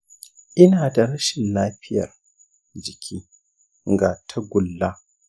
ina da rashin lafiyar jiki ga tagulla.